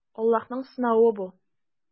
Аллаһның сынавы бу.